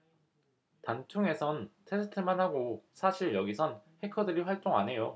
단둥에선 테스트만 하고 사실 여기선 해커들이 활동 안 해요